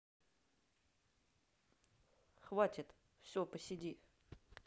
хватит все посиди